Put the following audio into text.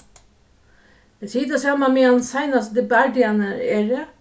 tey sita saman meðan seinastu bardagarnir eru